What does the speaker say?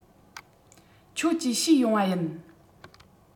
ཁྱོད ཀྱིས བཤུས ཡོང བ ཡིན